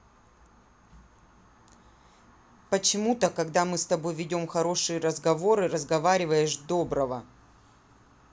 почему то когда мы с тобой ведем хороший разговоры разговариваешь доброго